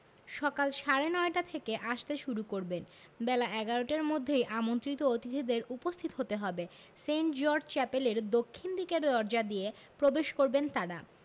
সকাল সাড়ে নয়টা থেকে আসতে শুরু করবেন বেলা ১১টার মধ্যেই আমন্ত্রিত অতিথিদের উপস্থিত হতে হবে সেন্ট জর্জ চ্যাপেলের দক্ষিণ দিকের দরজা দিয়ে প্রবেশ করবেন তাঁরা